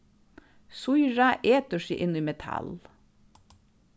sýra etur seg inn í metal